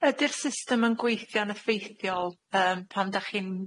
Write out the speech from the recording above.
Ydi'r system yn gweithio'n effeithiol yym pan dach chi'n